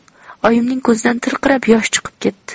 oyimning ko'zidan tirqirab yosh chiqib ketdi